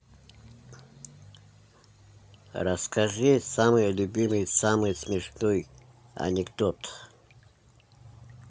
расскажи самый любимый самый смешной анекдот